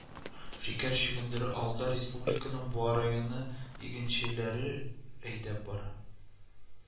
Шикәр чөгендере алуда республиканың Буа районы игенчеләре әйдәп бара